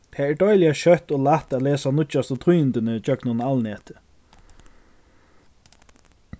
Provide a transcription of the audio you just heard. tað er deiliga skjótt og lætt at lesa nýggjastu tíðindini gjøgnum alnetið